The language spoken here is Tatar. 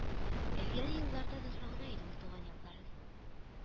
Элгәре елларда да сагына иде ул туган якларын